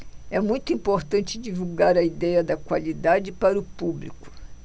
é muito importante divulgar a idéia da qualidade para o público